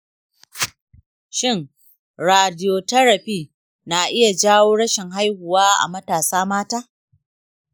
shin radiotherapy na iya jawo rashin haihuwa a matasa mata?